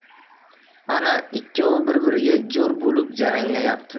ana ikkovi bir biriga jo'r bo'lib jaranglayapti